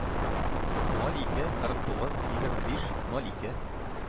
Ноль ике, кырык тугыз, егерме биш, ноль ике